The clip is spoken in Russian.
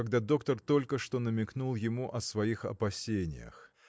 когда доктор только что намекнул ему о своих опасениях.